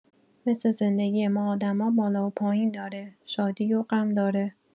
مثل زندگی ما آدما، بالا و پایین داره، شادی و غم داره.